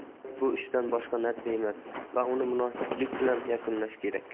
hayot bu ishdan boshqa narsa emas va uni munosiblik bilan yakunlash kerak